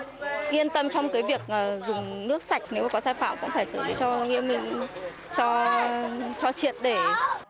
yên tâm trong cái việc ngờ dùng nước sạch nếu có sai phạm cũng phải xử lý cho nghiêm minh cho cho triệt để